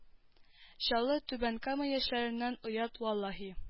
Чаллы түбән кама яшьләреннән оят валлаһи